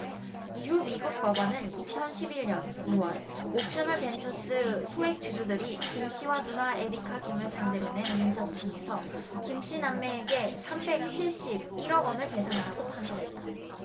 이후 미국 법원은 이천 십 일 년 이 월 옵셔널벤처스 소액주주들이 김씨와 누나 에리카 김을 상대로 낸 민사소송에서 김씨 남매에게 삼백 칠십 일 억원을 배상하라고 판결했다